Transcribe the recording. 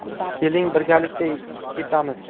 keling birgalikda ketamiz